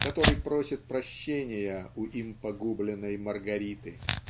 который просит прощения у им погубленной Маргариты